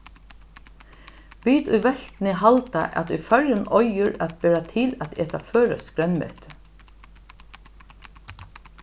vit í veltuni halda at í føroyum eigur at bera til at eta føroyskt grønmeti